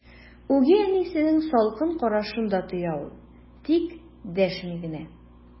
Үги әнисенең салкын карашын да тоя ул, тик дәшми генә.